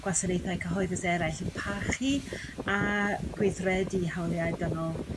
gwasanaethau cyhoeddus eraill yn parchu a gweithredu hawliau dynol